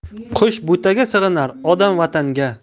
qush butaga sig'inar odam vatanga